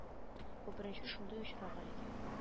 Бу беренче шундый очрак әлегә